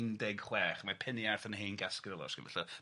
Mae peniarth yn hen gasgul o lawrysgrif, ella, ia.